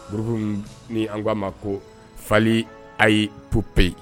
Buruk ni an k ko'a ma ko fali a ye to pe ye